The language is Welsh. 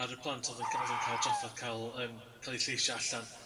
ar y plant o'dd yn ca'l yn ca'l traffath ca'l eu lleisia' allan